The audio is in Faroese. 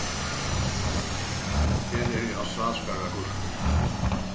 her eru australskar agurkur